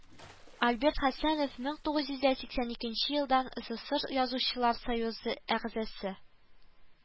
Альберт Хәсәнов мең тугыз йөз дә сиксән икенче елдан эСэСэСэР Язучылар союзы әгъзасы